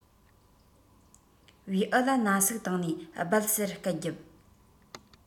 བེའུ ལ ན ཟུག བཏང ནས སྦད ཟེར སྐད རྒྱབ